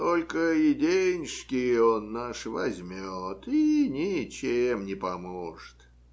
- Только и денежки он наши возьмет и ничем не поможет.